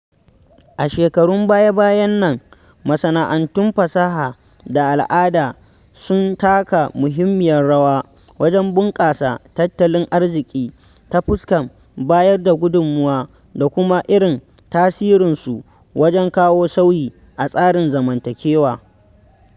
A shekarun baya-bayan nan, masana'antun fasaha da al'ada sun taka muhimmiyar rawa wajen bunƙasar tattalin arziki, ta fuskar bayar da gudummawa da kuma irin tasirinsu wajen kawo sauyi a tsarin zamantakewa.